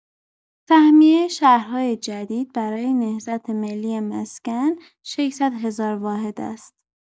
سهمیه شهرهای جدید برای نهضت ملی مسکن ۶۰۰ هزار واحد است.